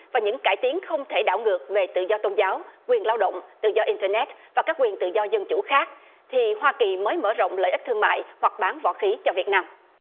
và những cải tiến không thể đảo ngược về tự do tôn giáo quyền lao động tự do in tơ nét và các quyền tự do dân chủ khác thì hoa kỳ mới mở rộng lợi ích thương mại hoặc bán võ khí cho việt nam